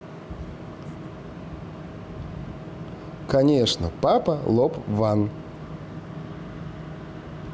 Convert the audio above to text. конечно папа лоп ван